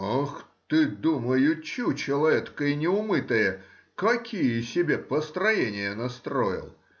Ах ты,— думаю,— чучело этакое неумытое, какие себе построения настроил!